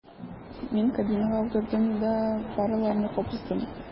Мин кабинага утырдым да фараларны кабыздым.